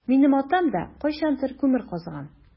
Минем атам да кайчандыр күмер казыган.